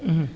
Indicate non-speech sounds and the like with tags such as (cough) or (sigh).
(hesitation) (hesitation)